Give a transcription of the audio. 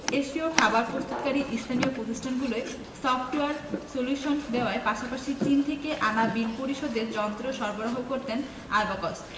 এশীয় খাবার প্রস্তুতকারী স্থানীয় প্রতিষ্ঠানগুলোয় সফটওয়্যার সলিউশন দেওয়ার পাশাপাশি চীন থেকে আনা বিল পরিশোধের যন্ত্র সরবরাহ করত আইব্যাকস